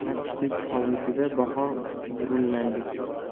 kaftdek hovlisida bahor gurullaydi